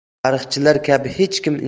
tarixchilar kabi hech kim